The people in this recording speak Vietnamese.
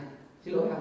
giữa